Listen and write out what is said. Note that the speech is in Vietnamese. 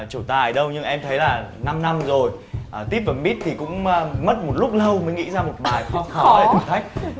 trổ tài đâu nhưng em thấy là năm năm rồi tít và mít thì cũng mất một lúc lâu mới nghĩ ra một bài kho khó để thử thách